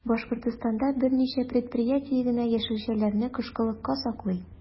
Башкортстанда берничә предприятие генә яшелчәләрне кышкылыкка саклый.